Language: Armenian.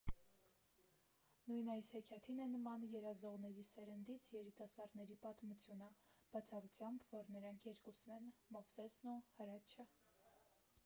Նույն այս հեքիաթին է նման «երազողների սերնդից» երիտասարդների պատմությունը, բացառությամբ, որ նրանք երկուսն են՝ Մովսեսն ու Հրաչը։